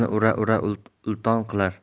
ura ura ulton qilar